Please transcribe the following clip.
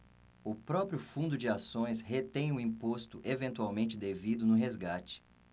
o próprio fundo de ações retém o imposto eventualmente devido no resgate